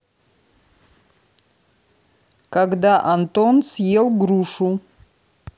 когда антон съел грушу